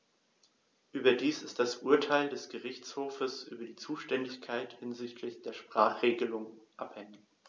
Überdies ist das Urteil des Gerichtshofes über die Zuständigkeit hinsichtlich der Sprachenregelung anhängig.